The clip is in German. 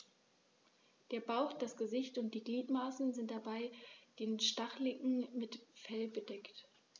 Der Bauch, das Gesicht und die Gliedmaßen sind bei den Stacheligeln mit Fell bedeckt.